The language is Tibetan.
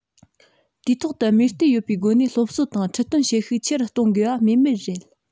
དུས ཐོག ཏུ དམིགས གཏད ཡོད པའི སྒོ ནས སློབ གསོ དང ཁྲིད སྟོན བྱེད ཤུགས ཆེ རུ གཏོང དགོས པ སྨོས མེད རེད